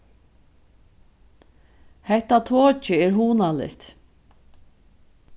hetta tokið er hugnaligt